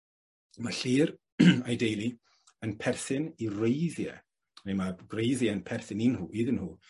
Ma Llŷr a'i deulu yn perthyn i wreiddie, ne' ma' gwreiddie yn perthyn i nw, iddyn nhw,